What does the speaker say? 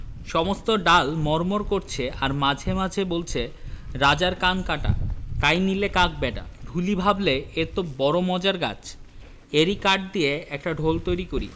সমস্ত ডাল মড়মড় করছে আর মাঝে মাঝে বলছে রাজার কান কাটা তাই নিলে কাক ব্যাটা ঢুলি ভাবলে এ তো বড়ো মজার গাছ এরই কাঠ দিয়ে একটা ঢোল তৈরি করি